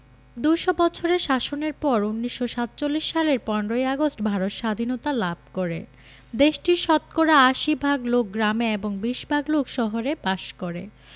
দু'শ বছরের শাসনের পর ১৯৪৭ সালের ১৫ ই আগস্ট ভারত সাধীনতা লাভ করে দেশটির শতকরা ৮০ ভাগ লোক গ্রামে এবং ২০ ভাগ লোক শহরে বাস করে